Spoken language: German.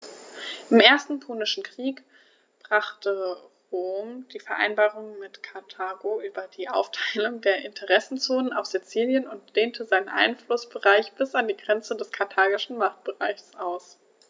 Im Ersten Punischen Krieg brach Rom die Vereinbarung mit Karthago über die Aufteilung der Interessenzonen auf Sizilien und dehnte seinen Einflussbereich bis an die Grenze des karthagischen Machtbereichs aus.